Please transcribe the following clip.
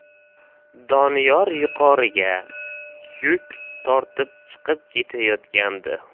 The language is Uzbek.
doniyor yuqoriga yuk tortib chiqib ketayotgandi